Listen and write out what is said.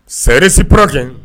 Serisi pa kɛ